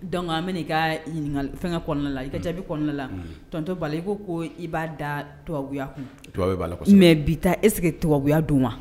Dɔnkuc an bɛ i ka fɛn ka kɔnɔna la i ka jaabi kɔnɔna la tɔnontɔ'a la i ko ko i b'a da tuya b'a la mɛ bi taa e sigi toya don u ma